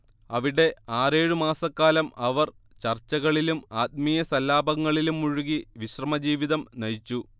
അവിടെ ആറേഴു മാസക്കാലം അവർ ചർച്ചകളിലും ആത്മീയസല്ലാപങ്ങളിലും മുഴുകി വിശ്രമജീവിതം നയിച്ചു